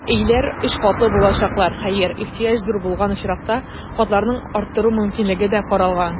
Өйләр өч катлы булачаклар, хәер, ихтыяҗ зур булган очракта, катларны арттыру мөмкинлеге дә каралган.